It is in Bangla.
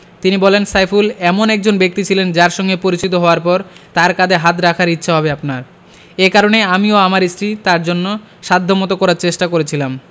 তিনি বলেন সাইফুল এমন একজন ব্যক্তি ছিলেন যাঁর সঙ্গে পরিচিত হওয়ার পর তাঁর কাঁধে হাত রাখার ইচ্ছা হবে আপনার এ কারণেই আমি ও আমার স্ত্রী তাঁর জন্য সাধ্যমতো করার চেষ্টা করেছিলাম